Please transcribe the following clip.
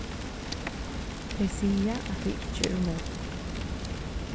tey siga at tey ikki eru móð